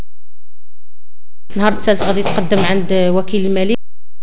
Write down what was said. نبته القديس قدم عند وكيل